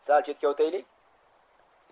sal chetga o'taylik